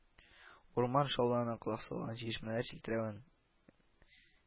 Урман шаулавына колак салган, чишмәләр челтерәвен